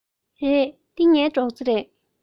རེད འདི ངའི སྒྲོག རྩེ རེད